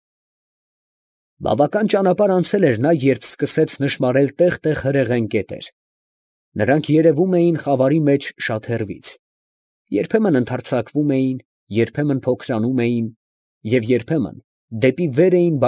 Բավական ճանապարհ անցել էր նա, երբ սկսեց նշմարել տեղ֊տեղ հրեղեն կետեր. նրանք երևում էին խավարի մեջ շատ հեռվից, երբեմն ընդարձակվում էին, երբեմն փոքրանում էին և երբեմն դեպի վեր էին։